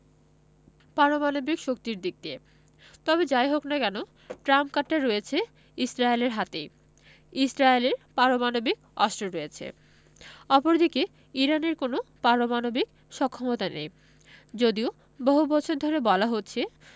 পারমাণবিক শক্তির দিক দিয়ে তবে যা ই হোক না কেন ট্রাম্প কার্ডটা রয়েছে ইসরায়েলের হাতেই ইসরায়েলের পারমাণবিক অস্ত্র রয়েছে অপরদিকে ইরানের কোনো পারমাণবিক সক্ষমতা নেই যদিও বহু বছর ধরে বলা হচ্ছে